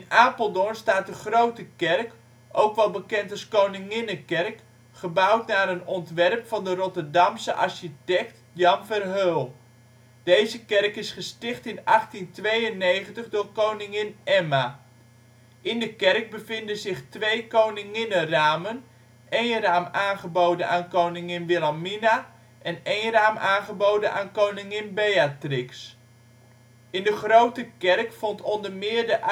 Apeldoorn staat de Grote Kerk, ook wel bekend als Koninginnekerk, gebouwd naar een ontwerp van de Rotterdamse architect Jan Verheul. Deze kerk is gesticht in 1892 door Koningin Emma. In de kerk bevinden zich twee koninginneramen: één raam aangeboden aan koningin Wilhelmina en één raam aangeboden aan koningin Beatrix. In de Grote Kerk vond onder meer de